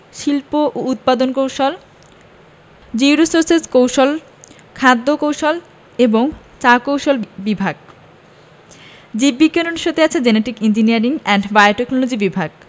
শিল্প ও উৎপাদন কৌশল জিওরির্সোসেস কৌশল খাদ্য কৌশল এবং চা কৌশল বিভাগ জীব বিজ্ঞান অনুষদে আছে জেনেটিক ইঞ্জিনিয়ারিং এবং বায়োটেকনলজি বিভাগ